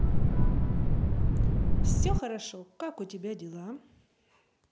все хорошо как у тебя дела